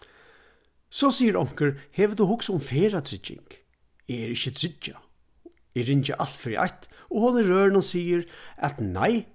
so sigur onkur hevur tú hugsað um ferðatrygging eg eri ikki tryggjað eg ringi alt fyri eitt og hon í rørinum sigur at nei